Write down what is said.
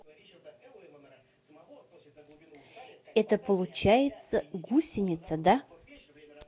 это получается гусеница да